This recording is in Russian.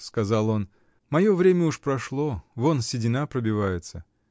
— сказал он, — мое время уж прошло: вон седина пробивается!